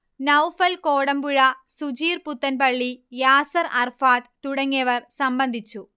നൗഫൽ കോടമ്പുഴ, സുജീർ പുത്തൻപള്ളി, യാസർ അറഫാത് തുടങ്ങിയവർ സംബന്ധിച്ചു